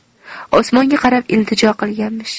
osmonga qarab iltijo qilganmish